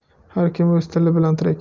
har kim o'z till bilan tirik